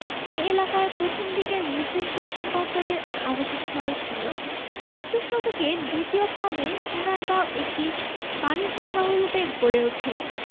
এ এলাকায় প্রথম দিকের মুসলিম শাসনকর্তাদের আবাসস্থল ছিল চৌদ্দ শতকের দ্বিতীয় পাদে সোনারগাঁও একটি বাণিজ্যশহররূপে গড়ে ওঠে